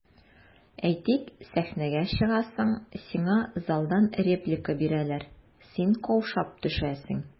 Әйтик, сәхнәгә чыгасың, сиңа залдан реплика бирәләр, син каушап төшәсең.